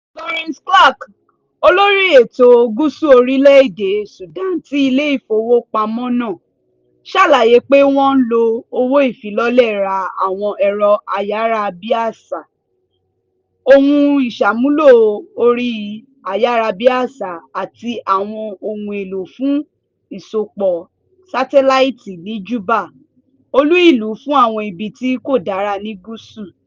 Laurence Clarke, olórí ètò gúúsù orílẹ̀ èdè Sudan ti ilé ìfowópamọ́ náà, ṣàlàyé pé wọ́n lo owó ìfilọ́lẹ̀ ra àwọn ẹ̀rọ ayárabíàsá, ohun ìsàmúlò orí ayárabíàsá àti àwọn ohun èlò fún ìsopọ̀ sátẹ́láìtì ní Juba, olú - ìlú fún àwọn ibi tí kò dára ní gúúsù.